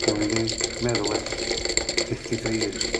Ma' ywun 'di meddwl ers fifty three years.